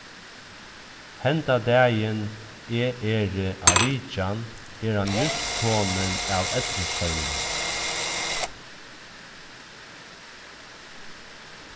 hendan dagin eg eri á vitjan er hann júst komin av ellisheiminum